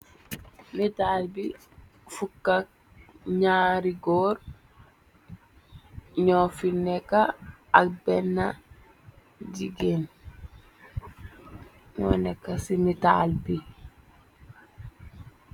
Natal be fukag nyari goor nufe neka ak bena jegain nu neka se natal be.